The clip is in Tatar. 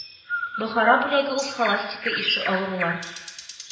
Бохара бүләге ул схоластика ише авырулар